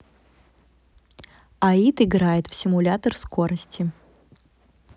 аид играет в симулятор скорости